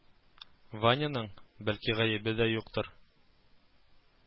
Ваняның, бәлки, гаебе дә юктыр